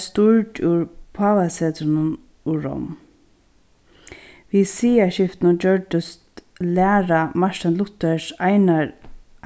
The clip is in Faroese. stýrd úr pávasetrinum í rom við siðaskiftinum gjørdist læra martin luthers